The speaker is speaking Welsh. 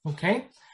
Oce?